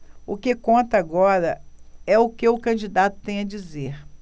o que conta agora é o que o candidato tem a dizer